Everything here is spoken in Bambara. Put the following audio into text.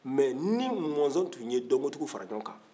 mɛ ni mɔnzɔn tun ye dɔnkotigiw fara ɲɔgɔn kan